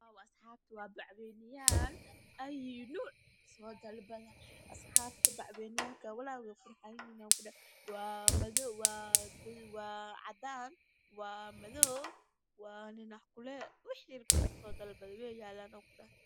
Asxabta waa baxwayna yaal soo dalbada asxabta bacwanayashan way qurxan yihiin waa madow waa cadan